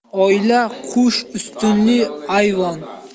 oila qo'sh ustunli ayvon